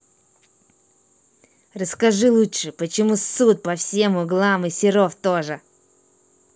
расскажи лучше почему суд по всем углам и серов тоже